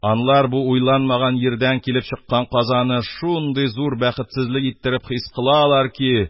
Алар уйламаган җирдән чыккан казаны шундый зур бәхетсезлек иттереп хис кылалар ки,